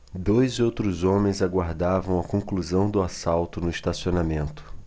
dois outros homens aguardavam a conclusão do assalto no estacionamento